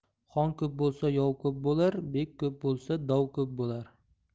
xon ko'p bo'lsa yov ko'p bo'lar bek ko'p bo'lsa dov ko'p bo'lar